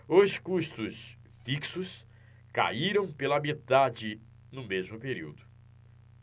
os custos fixos caíram pela metade no mesmo período